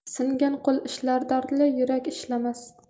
singan qo'l ishlar dardli yurak ishlamas